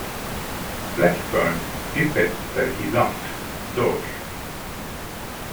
Blackburn yppet seg iblant, dog.